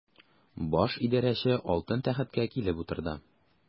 Баш идарәче алтын тәхеткә килеп утырды.